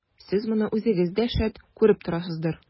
Сез моны үзегез дә, шәт, күреп торасыздыр.